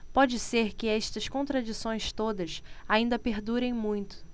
pode ser que estas contradições todas ainda perdurem muito